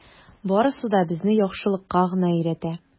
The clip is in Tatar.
Барысы да безне яхшылыкка гына өйрәтә.